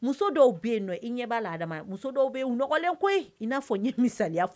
Muso dɔw be yen nɔ i ɲɛb'a la Adama muso dɔw bɛ yen u nɔgɔlen koyi i n'a fɔ ɲe misaliya f